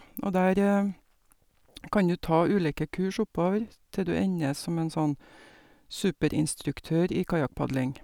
Og der kan du ta ulike kurs oppover til du ender som en sånn superinstruktør i kajakkpadling.